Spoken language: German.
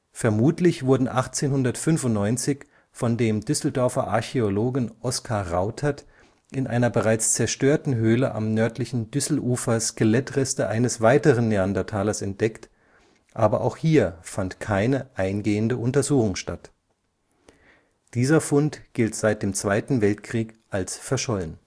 Vermutlich wurden 1895 von dem Düsseldorfer Archäologen Oscar Rautert in einer bereits zerstörten Höhle am nördlichen Düsselufer Skelettreste eines weiteren Neandertalers entdeckt, aber auch hier fand keine eingehende Untersuchung statt. Dieser Fund gilt seit dem Zweiten Weltkrieg als verschollen